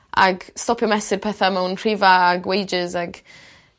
ag stopio mesur petha mewn rhifa ag wages ag